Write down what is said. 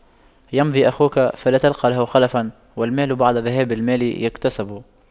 يمضي أخوك فلا تلقى له خلفا والمال بعد ذهاب المال يكتسب